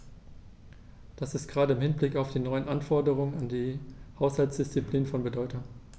Dies ist gerade im Hinblick auf die neuen Anforderungen an die Haushaltsdisziplin von Bedeutung.